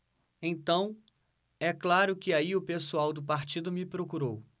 então é claro que aí o pessoal do partido me procurou